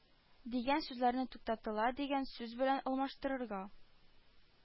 Дигән сүзләрне “туктатыла” дигән сүз белән алмаштырырга;